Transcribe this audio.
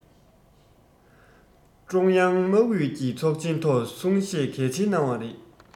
ཀྲུང དབྱང དམག ཨུད ཀྱི ཚོགས ཆེན ཐོག གསུང བཤད གལ ཆེན གནང བ རེད